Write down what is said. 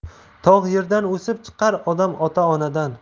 tog' yerdan o'sib chiqar odam ota onadan